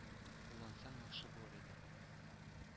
Куллансаң яхшы булыр иде.